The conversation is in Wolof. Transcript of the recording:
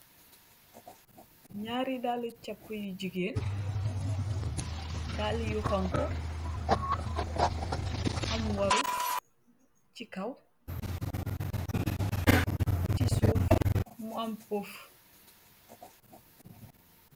Nyaari dalle cappu yu jigéen, daale yu xonxu am waru ci kaw ci suuf mu am pof.